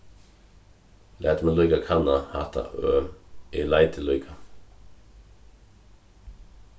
lat meg líka kanna hatta øh eg leiti líka